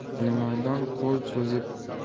alimardon qo'l cho'zib